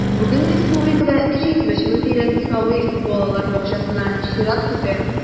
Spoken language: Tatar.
Бүген республикада 70 мең тирәсе сабый балалар бакчасына чират көтә.